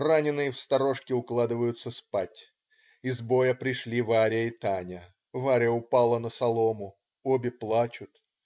Раненые в сторожке укладываются спать. Из боя пришли Варя и Таня. Варя упала на солому. Обе плачут.